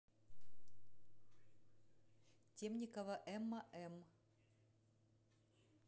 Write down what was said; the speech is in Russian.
темникова эмма эм